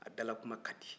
a da la kuma ka di